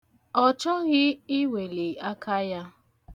Ọ chọghị iweli aka ya.